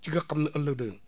ci nga xam ne am na dayoo